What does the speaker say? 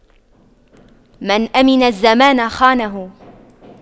من أَمِنَ الزمان خانه